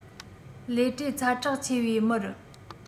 ལས བྲེལ ཚ དྲག ཆེ བའི མིར